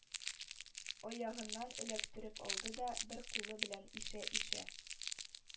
Аягыннан эләктереп алды да, бер кулы белән ишә-ишә,